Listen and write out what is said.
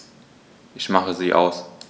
Ich mache sie aus.